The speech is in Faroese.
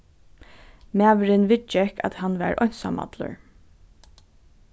maðurin viðgekk at hann var einsamallur